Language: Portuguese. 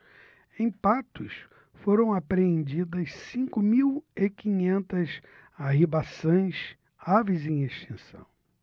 em patos foram apreendidas cinco mil e quinhentas arribaçãs aves em extinção